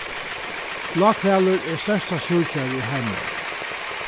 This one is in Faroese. bláhvalur er størsta súgdjórið í heiminum